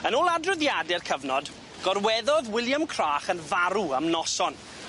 Yn ôl adroddiade'r cyfnod, gorweddodd William Crach yn farw am noson.